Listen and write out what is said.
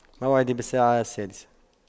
موعدي بالساعة السادسة